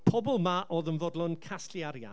Pobl 'ma oedd yn fodlon casglu arian.